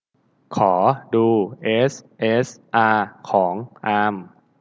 ขอดูเอสเอสอาของอาม